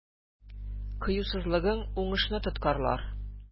Кыюсызлыгың уңышны тоткарлар.